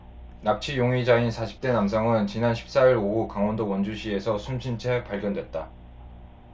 납치 용의자인 사십 대 남성은 지난 십 사 일 오후 강원도 원주시에서 숨진채 발견됐다